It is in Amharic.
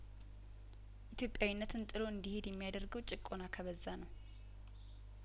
ኢትዮጵያዊነትን ጥሎ እንዲሄድ የሚያደርገው ጭቆና ከበዛ ነው